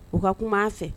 U ka kuma fɛ